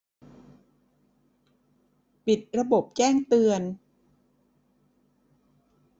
ปิดระบบแจ้งเตือน